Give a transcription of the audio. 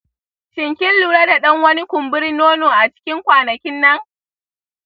shin kin lura da dan wani kumbrin nono a cikin kwanakin nan?